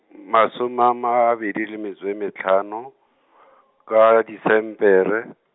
m- masome a mabedi le metšo a mehlano , ka Desemere.